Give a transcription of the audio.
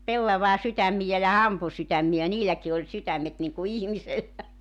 pellavan sydämiä ja hampun sydämiä niilläkin oli sydämet niin kuin ihmisellä